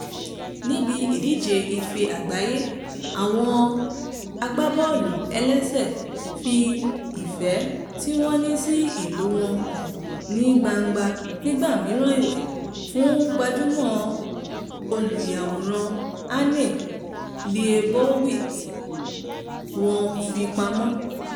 Níbi ìdíje Ife Àgbáyé, àwọn agbábọ́ọ̀lù ẹlẹ́sẹ̀ fi ìfẹ́ tí wọ́n ní sí ìlú wọn hàn ní gbangba nígbà mìíràn ẹ̀wẹ́, fún gbajúmọ̀ olùyàwòrán Annie Leibowitz, wọ́n fi pamọ́ .